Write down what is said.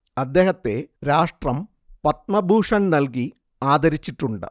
അദ്ദേഹത്തെ രാഷ്ട്രം പദ്മഭൂഷൻ നൽകി ആദരിച്ചിട്ടുണ്ട്